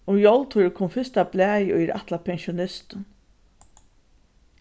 um jóltíðir kom fyrsta blaðið ið er ætlað pensjonistum